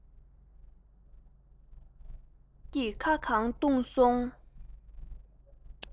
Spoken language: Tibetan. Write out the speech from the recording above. ཤུགས ཀྱིས ཁམ གང བཏུངས སོང